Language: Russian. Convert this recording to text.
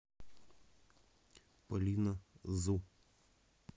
полина зу